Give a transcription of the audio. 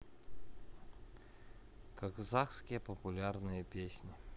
казахские популярные песни